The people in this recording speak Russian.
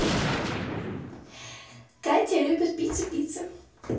катя любит pizza pizza